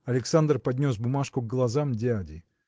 Александр поднес бумажку к глазам дяди.